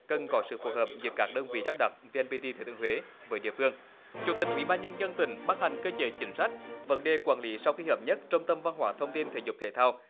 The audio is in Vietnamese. cần có sự phối hợp giữa các đơn vị lắp đặt vi en pi ti thừa thiên huế với địa phương chủ tịch ủy ban nhân dân tỉnh ban hành cơ chế chính sách vấn đề quản lý sau khi hợp nhất trung tâm văn hóa thông tin thể dục thể thao